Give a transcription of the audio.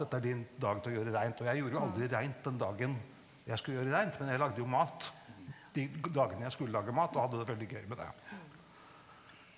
dette er din dag til å gjøre reint, og jeg gjorde jo aldri reint den dagen jeg skulle gjøre reint, men jeg lagde jo mat de dagene jeg skulle lage mat, og hadde det veldig gøy med det.